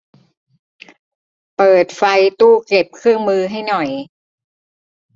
เปิดไฟตู้เก็บเครื่องมือให้หน่อย